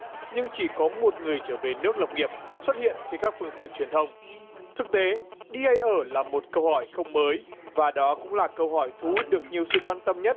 nhưng chỉ có một người trở về nước lập nghiệp xuất hiện trên các phương tiện truyền thông thực tế đi hay ở là một câu hỏi không mới và đó cũng là câu hỏi thú được nhiều sự quan tâm nhất